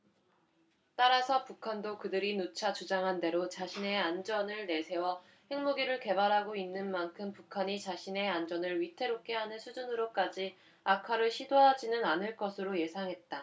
따라서 북한도 그들이 누차 주장한대로 자신의 안전을 내세워 핵무기를 개발하고 있는 만큼 북한이 자신의 안전을 위태롭게 하는 수준으로까지 악화를 시도하지는 않을 것으로 예상했다